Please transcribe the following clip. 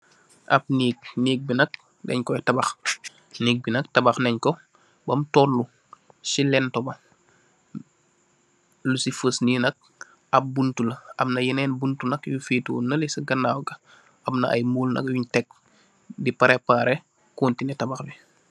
Ahb nehgg, nehgg bii nak dengh koi tabakh, nehgg la tabakh nenkor behm torlu cii lentuu ba, luci feuss nii nak ahb buntu la, amna yenen buntu nak yu fewtoh nahleh cii ganaw gah, amna aiiy muul ak lungh tek dii parehpareh contineh tabakh bii.